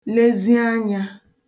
lezi anyā